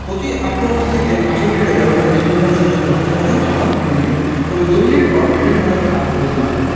প্রতি আক্রমণ থেকে ৮০ মিনিটে ব্যবধান দ্বিগুণ করার সুযোগ নষ্ট করেন থমাস মিউনিয়ের তবে দুই মিনিট পর এডেন হ্যাজার্ড আর ভুল নয়